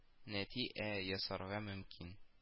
Нәти ә ясарга мөмкин